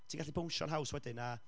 ti'n gallu bownsio'n haws wedyn a